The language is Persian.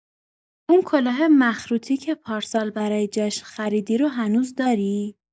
اون کلاه مخروطی که پارسال برای جشن خریدی رو هنوز داری؟